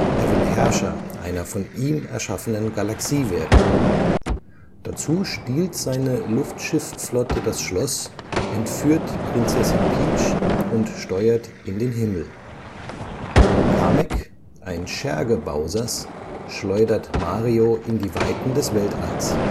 Er will Herrscher einer von ihm erschaffenen Galaxie werden. Dazu stiehlt seine Luftschiffflotte das Schloss, entführt Prinzessin Peach und steuert in den Himmel. Kamek, ein Scherge Bowsers, schleudert Mario in die Weiten des Weltalls